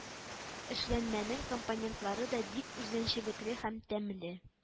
Эшләнмәнең компонентлары да бик үзенчәлекле һәм тәмле